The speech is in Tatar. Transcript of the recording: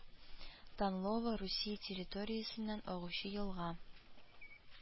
Танлова Русия территориясеннән агучы елга